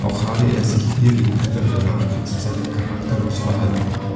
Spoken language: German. Auch habe er sich ihr gegenüber in der Nachkriegszeit charakterlos verhalten